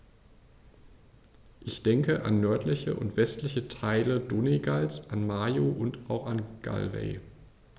Ich denke an nördliche und westliche Teile Donegals, an Mayo, und auch Galway.